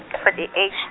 fourty eigh-.